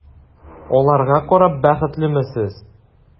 Аларга карап бәхетлеме сез?